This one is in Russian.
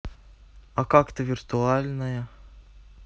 а как то виртуальная